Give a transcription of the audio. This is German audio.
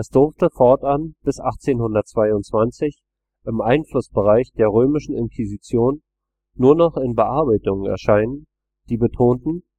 durfte fortan bis 1822 im Einflussbereich der Römischen Inquisition nur noch in Bearbeitungen erscheinen, die betonten